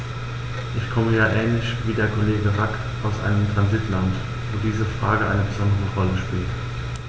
Ich komme ja ähnlich wie der Kollege Rack aus einem Transitland, wo diese Frage eine besondere Rolle spielt.